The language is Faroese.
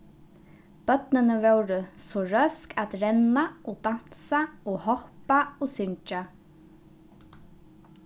børnini vóru so røsk at renna og dansa og hoppa og syngja